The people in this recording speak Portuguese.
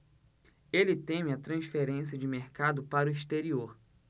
ele teme a transferência de mercado para o exterior